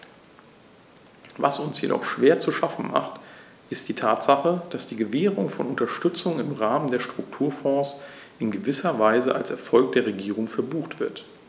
Was uns jedoch schwer zu schaffen macht, ist die Tatsache, dass die Gewährung von Unterstützung im Rahmen der Strukturfonds in gewisser Weise als Erfolg der Regierung verbucht wird.